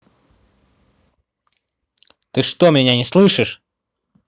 ты что меня не слышишь